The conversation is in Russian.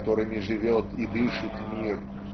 которыми живет и дышит мир